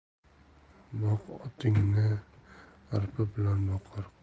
boq otingni arpa bilan